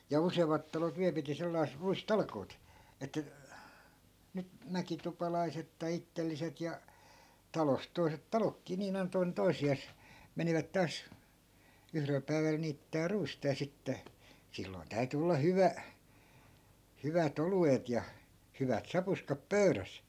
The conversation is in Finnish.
ja useammat talot vielä piti sellaiset ruistalkoot että nyt mäkitupalaiset tai itselliset ja talosta toiset taloonkin niin aina toinen toisiaan menivät taas yhdellä päivällä niittämään ruista ja sitten silloin täytyi olla hyvä hyvät oluet ja hyvät sapuskat pöydässä